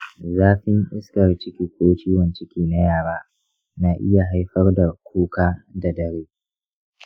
zafin iskar ciki ko ciwon ciki na yara na iya haifar da kuka da dare.